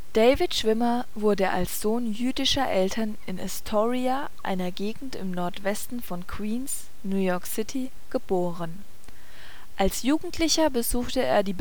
David Schwimmer wurde als Sohn jüdischer Eltern in Astoria, einer Gegend im Nordwesten von Queens, (New York City) geboren. Als Jugendlicher besuchte er die